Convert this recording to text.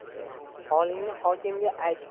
holingni hokimga ayt